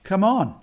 Come on.